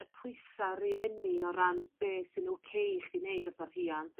y pwsa rieni o ran beth sy'n ocê i chdi neud fatha rhiant.